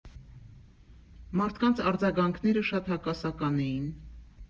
Մարդկանց արձագանքները շատ հակասական էին.